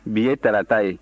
bi ye tarata ye